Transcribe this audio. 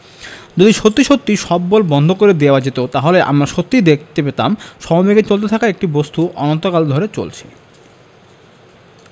যদি সত্যি সত্যি সব বল বন্ধ করে দেওয়া যেত তাহলে আমরা সত্যিই দেখতে পেতাম সমবেগে চলতে থাকা একটা বস্তু অনন্তকাল ধরে চলছে